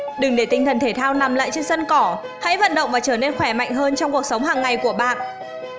đừng để tinh thần thể thao nằm lại trên sân cỏ hãy vận động và trở nên khỏe mạnh trong cuộc sống hàng ngày của bạn